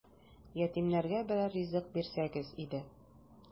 Ятимнәргә берәр ризык бирсәгез иде! ..